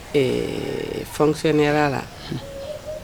Fansenyara la